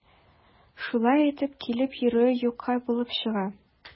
Шулай итеп, килеп йөрүе юкка булып чыга.